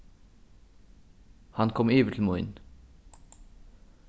hann kom yvir til mín